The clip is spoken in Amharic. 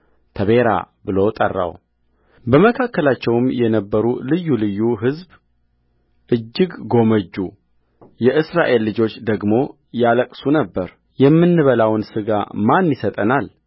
ተቤራ ብሎ ጠራውበመካከላቸውም የነበሩ ልዩ ልዩ ሕዝብ እጅግ ጐመጁ የእስራኤል ልጆች ደግሞ ያለቅሱ ነበር የምንበላውን ሥጋ ማን ይሰጠናል